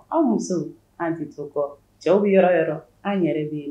An muso an tɛ to kɔ cɛw bɛ yɔrɔ yɔrɔ an yɛrɛ bɛ yen